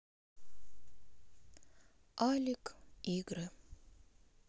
алик игры